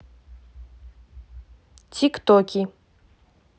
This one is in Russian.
тик токи